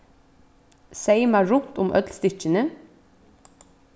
seyma runt um øll stykkini